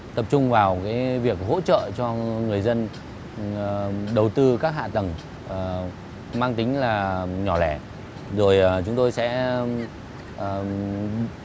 tập trung vào cái việc hỗ trợ cho người dân ờ đầu tư các hạ tầng mang tính là nhỏ lẻ rồi chúng tôi sẽ ờm ờm